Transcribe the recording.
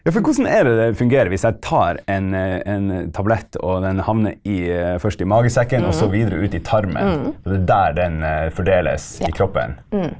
for hvordan er det det fungerer hvis jeg tar en en tablett, og den havner i først i magesekken også videre ut i tarmen, og det er der den fordeles i kroppen.